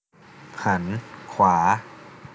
หันขึ้วา